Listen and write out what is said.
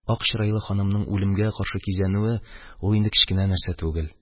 Ак чырайлы ханымның үлемгә каршы кизәнүе ул инде кечкенә нәрсә түгел.